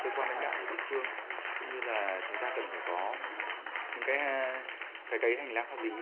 cơ quan lãnh đạo của địa phương cũng như là chúng ta cần phải có những cái cái cái hành lang pháp lý